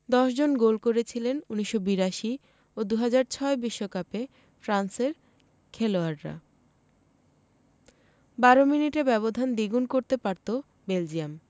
১০ জন গোল করেছিলেন ১৯৮২ ও ২০০৬ বিশ্বকাপে ফ্রান্সের খেলোয়াড়রা ১২ মিনিটে ব্যবধান দ্বিগুণ করতে পারত বেলজিয়াম